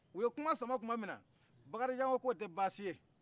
u ye kuma sama tumaninna bakarijan ko t'o tɛ baasi ye